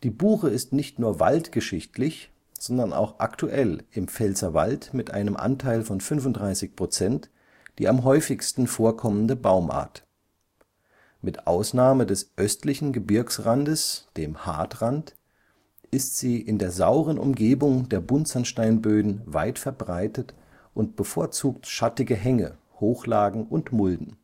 Buche ist nicht nur waldgeschichtlich, sondern auch aktuell im Pfälzerwald mit einem Anteil von 35 Prozent die am häufigsten vorkommende Baumart. Mit Ausnahme des östlichen Gebirgsrandes (Haardtrand) ist sie in der sauren Umgebung der Buntsandsteinböden weit verbreitet und bevorzugt schattige Hänge, Hochlagen und Mulden